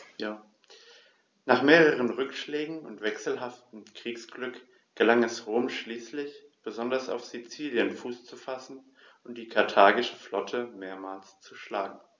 Nach mehreren Rückschlägen und wechselhaftem Kriegsglück gelang es Rom schließlich, besonders auf Sizilien Fuß zu fassen und die karthagische Flotte mehrmals zu schlagen.